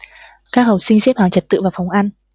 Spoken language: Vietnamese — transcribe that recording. các học sinh xếp hàng trật tự vào phòng ăn